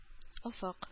Офык